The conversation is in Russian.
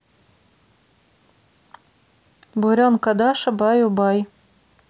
буренка даша баю бай